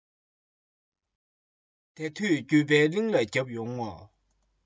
དེ དུས འགྱོད པའི གླིང ལ བརྒྱབ ཡོང ངོ